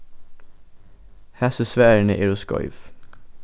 hasi svarini eru skeiv